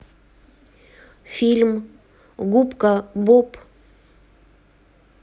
фильм губка боб